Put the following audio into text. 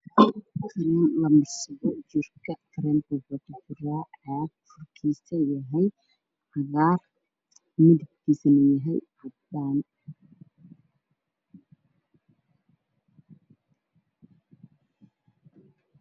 Waa saliid madaxa la marsado waxay ku jirtay caagad midabkeedu yahay cagaar furkeedu yahay cagaar way isdul saaran yihiin